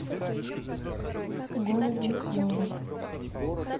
голуби голубь